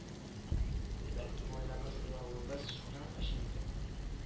Бәлки, малайларны сыйлавыбыз шуның өчендер